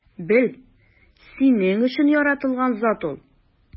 Бел: синең өчен яратылган зат ул!